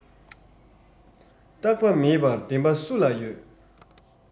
རྟག པ མེད པར བདེན པ སུ ལ ཡོད